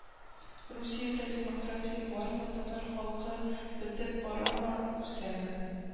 – русиядә демократия бармы, татар халкы бетеп барамы, үсәме